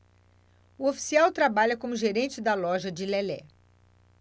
o oficial trabalha como gerente da loja de lelé